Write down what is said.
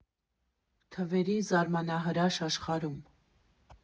Թվերի զարմանահրաշ աշխարհում։